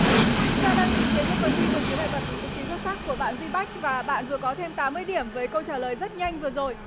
chúng ta đang chứng kiến một phần thi vượt chướng ngại vật cực kỳ xuất sắc của bạn duy bách và bạn vừa có thêm tám mươi điểm với câu trả lời rất nhanh vừa rồi